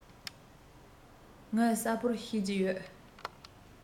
ངས གསལ པོར ཤེས ཀྱི ཡོད